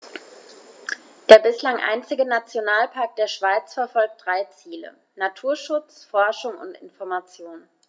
Der bislang einzige Nationalpark der Schweiz verfolgt drei Ziele: Naturschutz, Forschung und Information.